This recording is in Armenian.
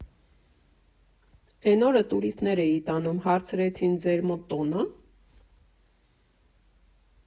Էն օրը տուրիստներ էի տանում, հարցրեցին ՝ ձեր մոտ տոն ա՞։